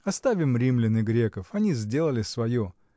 Оставим римлян и греков — они сделали свое.